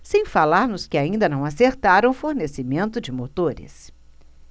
sem falar nos que ainda não acertaram o fornecimento de motores